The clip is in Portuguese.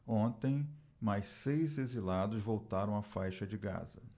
ontem mais seis exilados voltaram à faixa de gaza